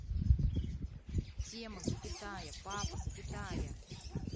тема запятая папа запятая